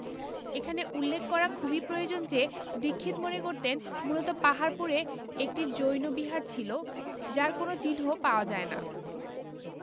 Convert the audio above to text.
এখানে উল্লেখ করা খুবই প্রয়োজন যে দীক্ষিত মনে করতেন মূলত পাহাড়পুরে একটি জৈন বিহার ছিল যার কোন চিহ্ন পাওয়া যায় না